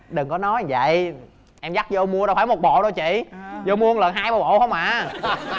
đừng có nói vậy em dắt vô mua đâu phải một bộ đâu chị vô mua một lần hai ba bộ không hà